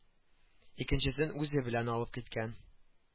Икенчесен үзе белән алып киткән